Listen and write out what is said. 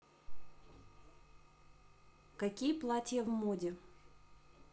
какие платья в моде